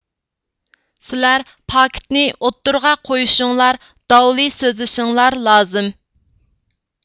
سىلەر پاكىتن ئوتتۇرىغا قويۇشۇڭلار داۋلى سۆزلىشىڭلار لازىم